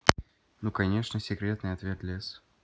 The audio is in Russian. ну конечно секретный ответ лес